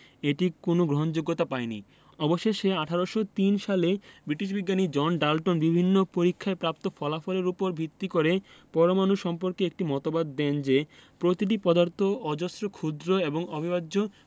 এটি কোনো গ্রহণযোগ্যতা পায়নি অবশেষে ১৮০৩ সালে ব্রিটিশ বিজ্ঞানী জন ডাল্টন বিভিন্ন পরীক্ষায় প্রাপ্ত ফলাফলের উপর ভিত্তি করে পরমাণু সম্পর্কে একটি মতবাদ দেন যে প্রতিটি পদার্থ অজস্র ক্ষুদ্র এবং অবিভাজ্য